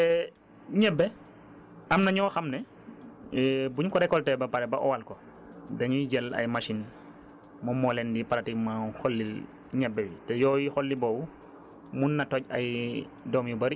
loolu moom wax dëgg Yàlla moom vraiment dafa simple te ñebe am na ñoo xam ne buñ ko récolter ba pare ba owal ko dañuy jël ay machines moom moo leen di pratiquement xollil ñebe bi